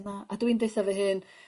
Na a dwi'n deu 'tha fy hun